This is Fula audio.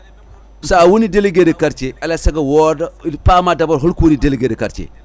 sa woni délégué de quartier alay saago wooda paama d' abord holko woni délégué de quartier